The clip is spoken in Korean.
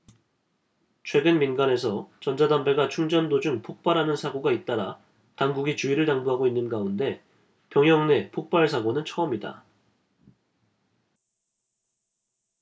최근 민간에서 전자담배가 충전 도중 폭발하는 사고가 잇따라 당국이 주의를 당부하고 있는 가운데 병영 내 폭발 사고는 처음이다